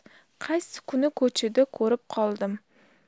qaysi kuni ko'chada ko'rib qoldim